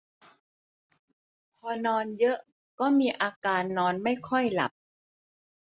พอนอนเยอะก็มีอาการนอนไม่ค่อยหลับ